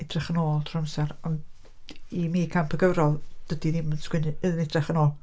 Edrych yn ôl trwy amser, ond i mi camp y gyfrol; Dydi hi ddim yn sgwennu yn edrych yn ôl.